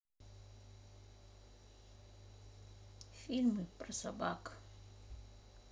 фильмы про собак